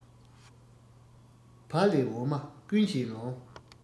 བ ལས འོ མ ཀུན གྱིས ལོང